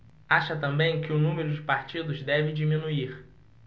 acha também que o número de partidos deve diminuir